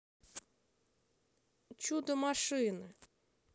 чудо машины